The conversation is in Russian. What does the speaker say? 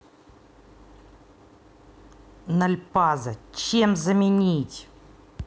нольпаза чем заменить